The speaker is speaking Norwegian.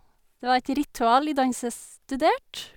Det var et ritual i dans jeg studerte.